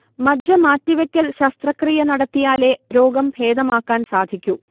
മജ്ജ മാറ്റിവെക്കൽ ശസ്ത്രക്രിയ നടത്തിയാലേ രോഗംഭേദമാക്കാൻ സാധിക്കൂ